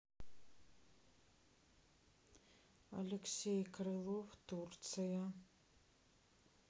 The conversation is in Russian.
алексей крылов турция